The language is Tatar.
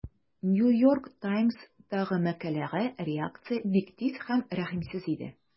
New York Times'тагы мәкаләгә реакция бик тиз һәм рәхимсез иде.